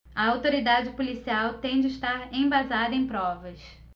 a autoridade policial tem de estar embasada em provas